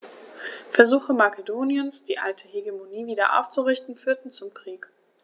Versuche Makedoniens, die alte Hegemonie wieder aufzurichten, führten zum Krieg.